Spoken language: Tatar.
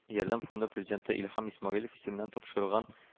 “ярдәм” фонды президенты илһам исмәгыйлев исеменнән тапшырылган